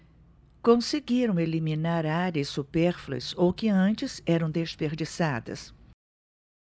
conseguiram eliminar áreas supérfluas ou que antes eram desperdiçadas